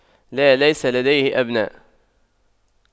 لا ليس لديه أبناء